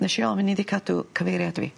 Nesh i ofyn iddi cadw cyfeiriad fi.